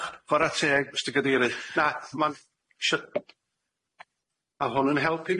Chwara teg Mistar Cadeirydd na ma'n sho ma' hwn yn help i